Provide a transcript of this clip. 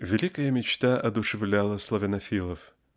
Великая мечта воодушевляла славянофилов.